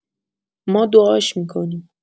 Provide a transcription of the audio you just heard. ما دعاش می‌کنیم